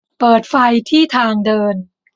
เปิดไฟที่ทางเดิน